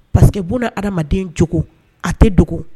Parce que buna adamaden cogo, a tɛ dogo.